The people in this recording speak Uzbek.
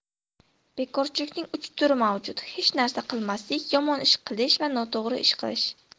bekorchilikning uch turi mavjud hech narsa qilmaslik yomon ish qilish va noto'g'ri ish qilish